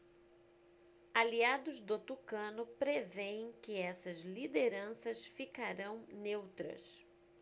aliados do tucano prevêem que essas lideranças ficarão neutras